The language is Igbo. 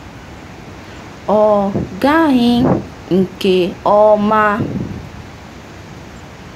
Ọ Gaghị Nke Ọma